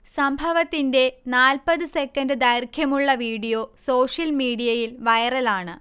സംഭവത്തിന്റെ നാല്പ്പത് സെക്കന്റ് ദൈർഘ്യമുള്ള വീഡിയോ സോഷ്യൽ മീഡിയയിൽ വൈറലാണ്